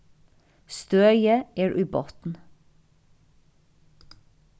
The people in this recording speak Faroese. støðið er í botn